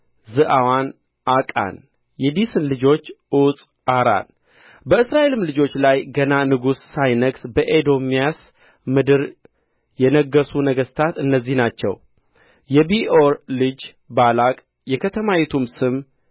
ዛዕዋን ዓቃን የዲሳን ልጆች ዑፅ አራን በእስራኤልም ልጆች ላይ ገና ንጉሥ ሳይነግሥ በኤዶምያስ ምድር የነገሡ ነገሥታት እነዚህ ናቸው የቢዖር ልጅ ባላቅ የከተማይቱም ስም